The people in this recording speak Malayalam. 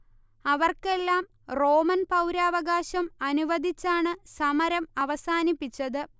അവർക്കെല്ലാം റോമൻ പൗരാവകാശം അനുവദിച്ചാണ് സമരം അവസാനിപ്പിച്ചത്